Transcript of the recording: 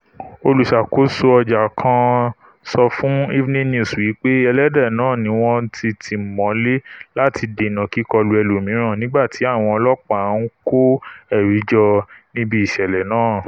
Olùṣàkóso ọjà kan sọ fún Evening News wí pé ẹlẹ́dẹ̀ náà ni wọn ti tì mọ́lé láti dènà kíkọlu ẹlomìíràn, nígbà tí àwọn ọlọ́ọ̀pá ńkó ẹ̀rí jọ níbi ìṣẹ̀lẹ̀ náà.